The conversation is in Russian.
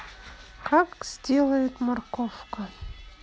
как сделает морковка